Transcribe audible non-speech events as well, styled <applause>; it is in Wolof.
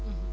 <hesitation> <hesitation>